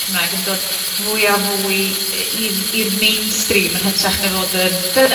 Cymraeg yn dod fwy a fwy yy i'r i'r mainstream yn hytrach na fod yn... Dyna,